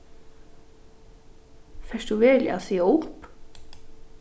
fert tú veruliga at siga upp